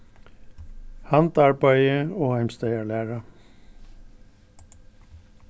handarbeiði og heimstaðarlæra